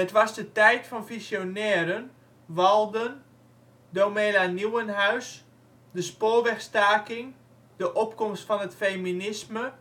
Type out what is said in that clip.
was de tijd van visionairen, Walden, Domela Nieuwenhuis, de Spoorwegstaking, de opkomst van het feminisme